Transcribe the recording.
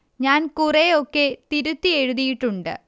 ഞാൻ കുറെ ഒക്കെ തിരുത്തി എഴുതിയിട്ടുണ്ട്